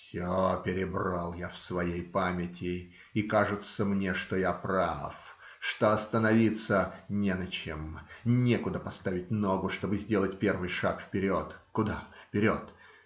Все перебрал я в своей памяти, и кажется мне, что я прав, что остановиться не на чем, некуда поставить ногу, чтобы сделать первый шаг вперед. Куда вперед?